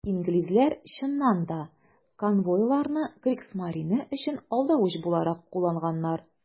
Инглизләр, чыннан да, конвойларны Кригсмарине өчен алдавыч буларак кулланганнар.